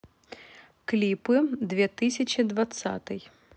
клипы две тысячи двадцатый